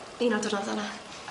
Un o'r diwrnoda 'na.